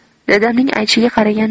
dadamning aytishiga qaraganda